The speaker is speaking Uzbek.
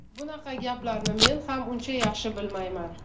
bunaqa gaplarni men ham uncha yaxshi bilmayman